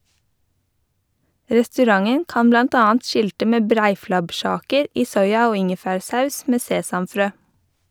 Restauranten kan blant annet skilte med breiflabbkjaker i soya- og ingefærsaus med sesamfrø.